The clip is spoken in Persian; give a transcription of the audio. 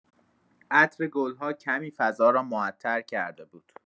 عطر گل‌ها کمی فضا را معطر کرده بود.